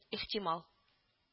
Ихтимал